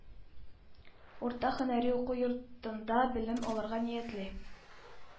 Урта һөнәри уку йортында белем алырга ниятли.